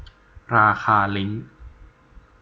ราคาลิ้ง